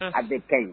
A bɛ kɛ ɲi